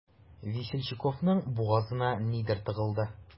Весельчаковның бугазына нидер тыгылды.